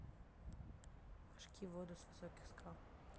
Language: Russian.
прыжки в воду с высоких скал